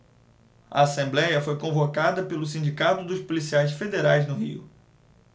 a assembléia foi convocada pelo sindicato dos policiais federais no rio